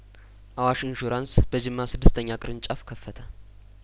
አዋሽ ኢንሹራንስ በጅማ ስድስተኛ ቅርንጫፍ ከፈተ